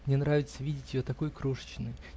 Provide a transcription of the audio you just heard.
Мне нравится видеть ее такой крошечной.